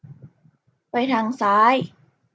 ไปทางซ้าย